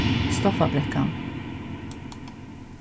stoffabrekkan